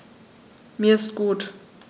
Mir ist gut.